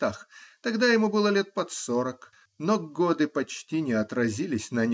Тогда ему было лет под сорок, но годы почти не отразились на нем.